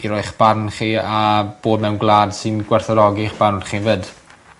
i roi'ch barn chi a bod mewn gwlad sy'n gwerthfawrogi'ch barn chi 'fyd.